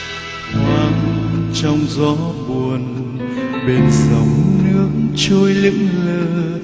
thoáng trong gió buồn bên dòng nước trôi lững lờ